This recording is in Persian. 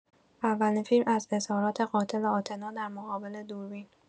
اولین فیلم از اظهارات قاتل آتنا در مقابل دوربین